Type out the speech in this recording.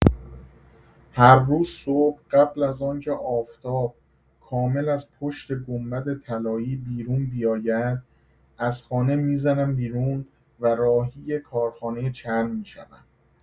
هر روز صبح قبل از آن‌که آفتاب کامل از پشت گنبد طلایی بیرون بیاید از خانه می‌زنم بیرون و راهی کارخانه چرم می‌شوم.